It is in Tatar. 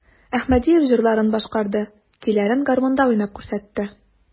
Әхмәдиев җырларын башкарды, көйләрен гармунда уйнап күрсәтте.